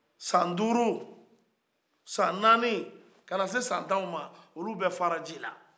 san duuru san naani kana se san tanw man olu bɛɛ fara ji la